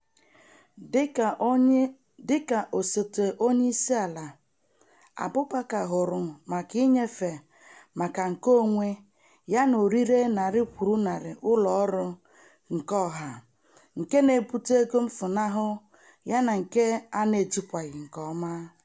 Dị ka osote onyeisiala, Abubakar hụrụ maka inyefe maka nkeonwe yana orire narị kwụrụ narị ụlọ ọrụ keọha nke na-ebute ego mfunahụ ya na nke a na-ejikwaghị nke ọma.